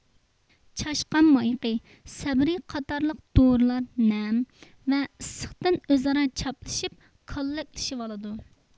چاشقان مايىقى سەبرى قاتارلىق دورىلار نەم ۋە ئىسسىقتىن ئۆزئارا چاپلىشىپ كاللەكلىشىۋالىدۇ